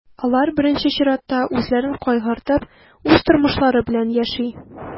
Алар, беренче чиратта, үзләрен кайгыртып, үз тормышлары белән яши.